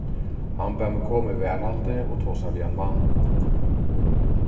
hann bað meg koma í varðhaldið og tosa við ein mann